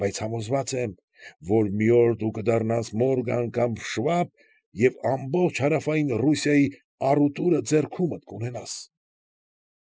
Բայց համոզված եմ, որ մի օր դու կդառնաս Մորգան կամ Շվաբ և ամբողջ հարավային Ռուսիայի առուտուրը ձեռքումդ կունենաս։